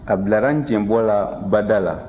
a bilara cɛnbɔ la bada la